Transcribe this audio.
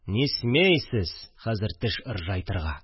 Не смей сез хәзер теш ыржайтырга